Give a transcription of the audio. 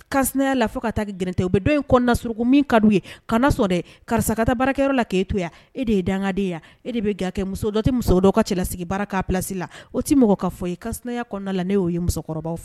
Kasya la fo ka taa gte u bɛ don in kɔnɔnana suruuguku min kadi ye kasɔrɔ dɛ karisa kata baarakɛyɔrɔ la k'e toya e de ye danden e de bɛ ga muso dɔ tɛ muso dɔ ka cɛlasigi baara k'lasi la o tɛ mɔgɔ ka fɔ i ye kasya kɔnɔna la ne y'o ye musokɔrɔbaw fɛ